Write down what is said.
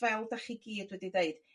fel dach chi i gyd wedi deud